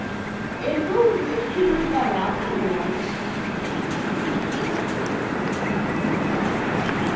eg dugi ikki líka væl sum hon